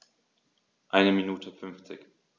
Eine Minute 50